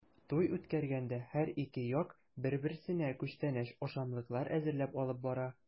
Туй үткәргәндә һәр ике як бер-берсенә күчтәнәч-ашамлыклар әзерләп алып бара.